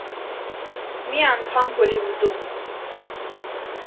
Մի անգամ Հոլիվուդում։